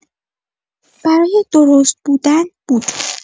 برای درست بودن بود.